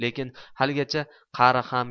lekin haligacha qari ham